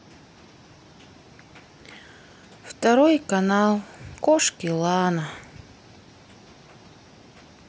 второй канал кошки лана